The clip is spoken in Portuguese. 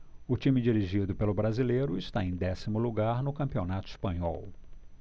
o time dirigido pelo brasileiro está em décimo lugar no campeonato espanhol